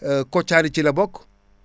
Kothiari ci la bokk